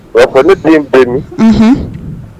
Wa,a fɔ ne den bɛ min? Unhun.